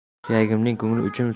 suyganimning ko'ngli uchun